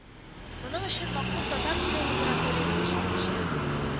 Моның өчен махсус “татар теле лабораториясе” эшләячәк